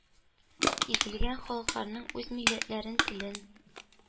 Изелгән халыкларның үз милләтләрен телен,